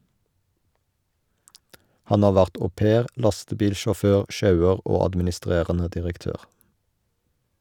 Han har vært au-pair, lastebilsjåfør, sjauer og administrerende direktør.